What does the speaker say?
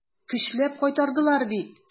Көчләп кайтардылар бит.